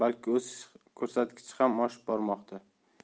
balki o'sish ko'rsatkichi ham oshib bormoqda